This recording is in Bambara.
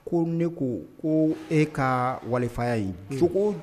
Ko ne ko ko e ka waliya ye sogo